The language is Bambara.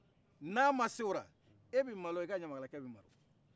n'a ma s' ola e bɛ malo ika ɲamakala kɛ bɛ malo